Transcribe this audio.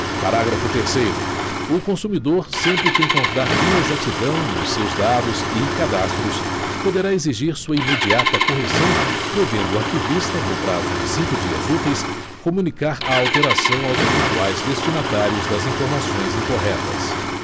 parágrafo terceiro o consumidor sempre que encontrar inexatidão nos seus dados e cadastros poderá exigir sua imediata correção devendo o arquivista no prazo de cinco dias úteis comunicar a alteração aos eventuais destinatários das informações incorretas